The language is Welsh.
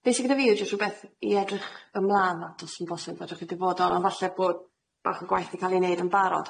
Yym be' sy gyda fi yw jys rwbeth i edrych ymlan at os yn bosib edrych ydi fod o'r ond falle bod bach o gwaith yn ca'l i neud yn barod.